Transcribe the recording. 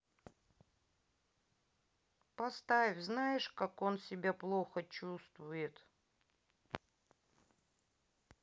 поставь знаешь как он себя плохо чувствует